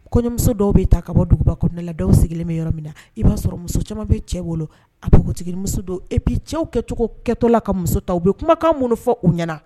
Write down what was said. Kɔɲɔmuso dɔw bɛ ta ka bɔ duguba kɔnɔ la, dɔw sigilen bɛ yɔrɔ min na. I b'a sɔrɔ muso caaman bɛ cɛ bolo a bɔgɔtigimuso dɔ et puis cɛw kɛcogo kɛtɔ la ka muso ta u bɛ kumakan minnu fɔ u ɲɛna